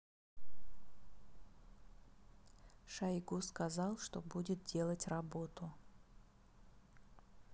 шайгу сказал что будет делать работу